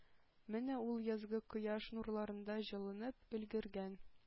Менә ул язгы кояш нурларында җылынып өлгергән